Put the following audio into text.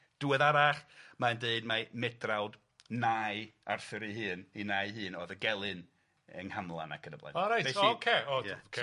diweddarach mae'n dweud mai Medrawd nai Arthur ei hun, ei nai ei hun oedd y gelyn yng Nghamlan ac yn y blaen. O reit, o ocê, o ocê.